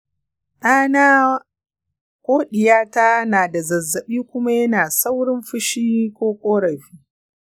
ɗana/ɗiyata na da zazzaɓi kuma yana saurin fushi/ƙorafi.